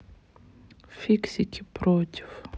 фиксики против